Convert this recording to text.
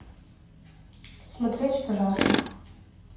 смотреть пожарных